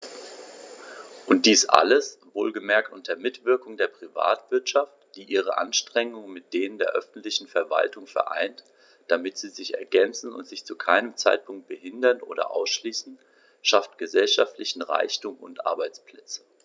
Und dies alles - wohlgemerkt unter Mitwirkung der Privatwirtschaft, die ihre Anstrengungen mit denen der öffentlichen Verwaltungen vereint, damit sie sich ergänzen und sich zu keinem Zeitpunkt behindern oder ausschließen schafft gesellschaftlichen Reichtum und Arbeitsplätze.